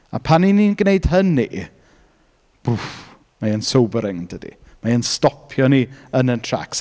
A pan ‘y ni'n gwneud hynny Mae e'n sobering dydy. Mae e'n stopio ni yn ein tracs.